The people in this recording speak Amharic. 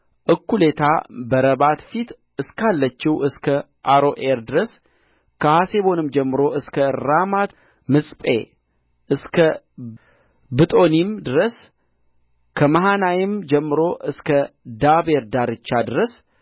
እኩሌታ በረባት ፊት እስካለችው እስከ አሮዔር ድረስ ከሐሴቦን ጀምሮ እስከ ራማት ምጽጴ እስከ ብጦኒም ድረስ ከመሃናይም ጀምሮ እስከ ዳቤር ዳርቻ ድረስ